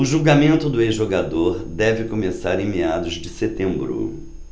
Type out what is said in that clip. o julgamento do ex-jogador deve começar em meados de setembro